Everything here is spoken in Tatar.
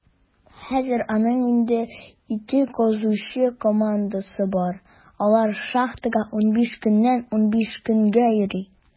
Хәзер аның инде ике казучы командасы бар; алар шахтага 15 көннән 15 көнгә йөри.